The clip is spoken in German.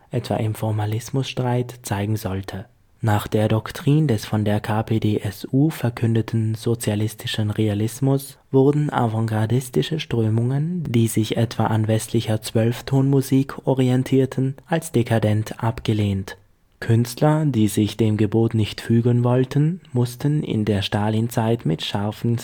etwa im Formalismusstreit zeigen sollte. Nach der Doktrin des von der KPdSU verkündeten Sozialistischen Realismus wurden avantgardistische Strömungen, die sich etwa an westlicher Zwölftonmusik orientierten, als dekadent abgelehnt. Künstler, die sich dem Gebot nicht fügen wollten, mussten in der Stalinzeit mit scharfen